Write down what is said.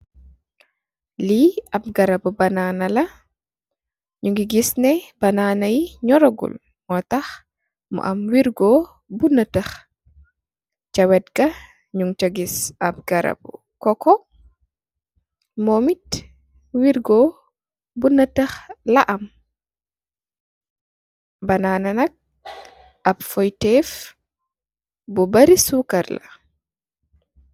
Li ap garabi banana nyunge giss banana yi nyorogot mutah mu am wergoh bu neteh sa wet ga nyungfa giss aye garap cocoa munitions wergoh bu neteh la am banana ayy fayteeve nyu bari sukarla